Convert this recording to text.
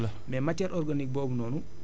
loolu yëpp pour matière matière organique la